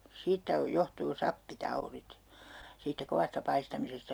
siitä - johtuu sappitaudit siitä kovasta paistamisesta